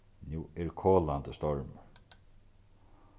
nú er kolandi stormur